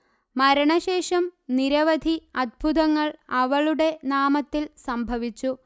മരണശേഷം നിരവധി അത്ഭുതങ്ങൾ അവളുടെ നാമത്തിൽ സംഭവിച്ചു